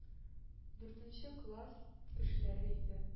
Дүртенче класс кешеләре иде.